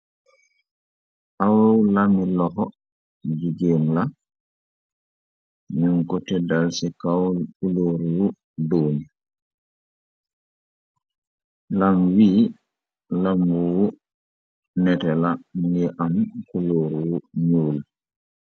Aew lami loxo jigéem la ñum ko teddal ci kaw kulóoruwu doom lam wii lamu wu nete la ngi am kulóoru wu ñuul.